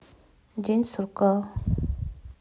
день сурка